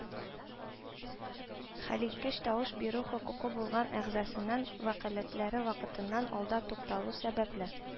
Хәлиткеч тавыш бирү хокукы булган әгъзасының вәкаләтләре вакытыннан алда тукталу сәбәпле,